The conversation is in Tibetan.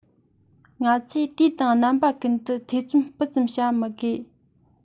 ང ཚོས དུས དང རྣམ པ ཀུན ཏུ ཐེ ཚོམ སྤུ ཙམ བྱ མི དགོས